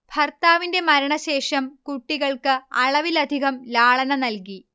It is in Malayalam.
ഭർത്താവിന്റെ മരണശേഷം കുട്ടികൾക്ക് അളവിലധികം ലാളന നല്കി